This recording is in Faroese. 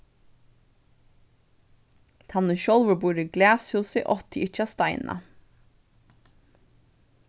tann ið sjálvur býr í glashúsi átti ikki at steinað